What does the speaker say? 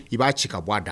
I b'a ci ka bɔ a da